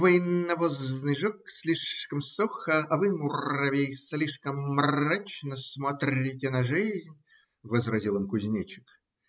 – Вы, навозный жук, слишком сухо, а вы, муравей, слишком мрачно смотрите на жизнь, – возразил им кузнечик.